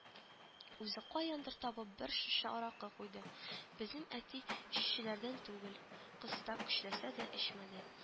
Үзе каяндыр табып бер шешә аракы куйды. Безнең әти эчүчеләрдән түгел, кыстап көчләсә дә эчмәде